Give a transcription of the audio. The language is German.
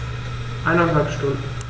Eineinhalb Stunden